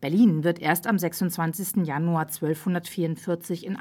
Berlin wird erst am 26. Januar 1244 in